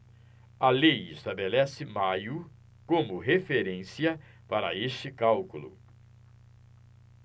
a lei estabelece maio como referência para este cálculo